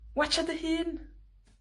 Watsia dy hun!